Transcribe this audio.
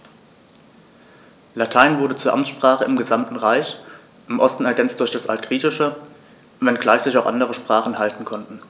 Latein wurde zur Amtssprache im gesamten Reich (im Osten ergänzt durch das Altgriechische), wenngleich sich auch andere Sprachen halten konnten.